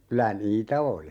kyllä niitä oli